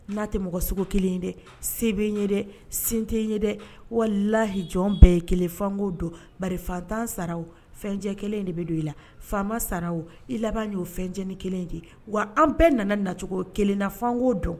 N'a tɛ mɔgɔ sugu kelen ye dɛ sebe ye dɛ sinte ye dɛ wa lahi jɔn bɛɛ ye kelenfankoo dɔn bafatan sararaw fɛncɛ kelen de bɛ don i la faama sararaw o i laban y'o fɛnɛnenii kelen de wa an bɛɛ nana nacogo kelen nafankoo dɔn